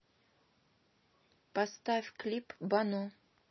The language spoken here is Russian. поставь клип боно